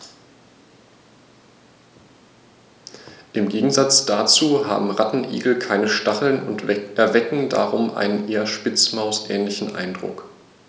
Im Gegensatz dazu haben Rattenigel keine Stacheln und erwecken darum einen eher Spitzmaus-ähnlichen Eindruck.